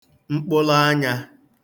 mkpụlụanyā